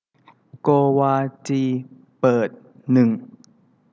โกวาจีเปิดหนึ่ง